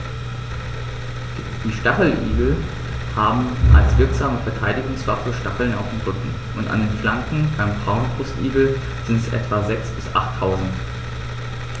Die Stacheligel haben als wirksame Verteidigungswaffe Stacheln am Rücken und an den Flanken (beim Braunbrustigel sind es etwa sechs- bis achttausend).